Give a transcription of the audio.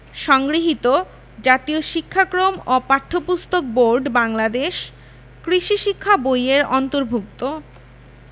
সংগৃহীত জাতীয় শিক্ষাক্রম ও পাঠ্যপুস্তক বোর্ড বাংলাদেশ কৃষি শিক্ষা বই এর অন্তর্ভুক্ত